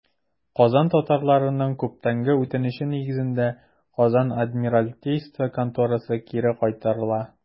Казан татарларының күптәнге үтенече нигезендә, Казан адмиралтейство конторасы кире кайтарыла.